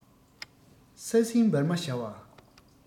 ས སྲིན འབར མ བྱ བ